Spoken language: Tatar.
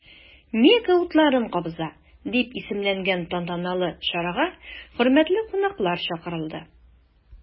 “мега утларын кабыза” дип исемләнгән тантаналы чарага хөрмәтле кунаклар чакырылды.